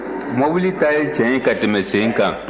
mobili ta ye tiɲɛ ye ka tɛmɛn sen kan